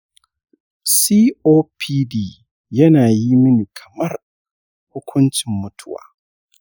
copd yana yi mini kamar hukuncin mutuwa.